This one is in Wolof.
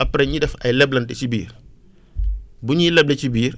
après ñuy def ay leblante ci biir bu ñuy leble ci biir